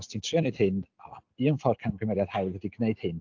Os ti'n trio wneud hyn, un ffordd camgymeriad hawdd ydy gwneud hyn,